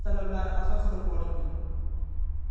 talablari asos qilib olingan